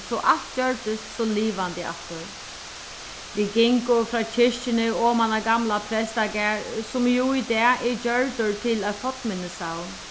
so alt gjørdist so livandi aftur vit gingu frá kirkjuni oman á gamla prestagarð sum jú í dag er gjørdur til eitt fornminnissavn